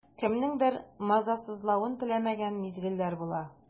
Кемнеңдер мазасызлавын теләмәгән мизгелләр була.